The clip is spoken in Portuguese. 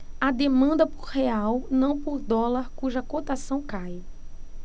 há demanda por real não por dólar cuja cotação cai